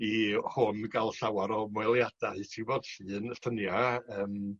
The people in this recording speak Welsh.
i hwn ga'l llawar o ymweliada i ti'bod llun llynia yym